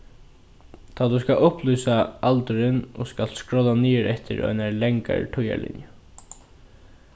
tá tú skalt upplýsa aldurin og skalt skrolla niður eftir einari langari tíðarlinju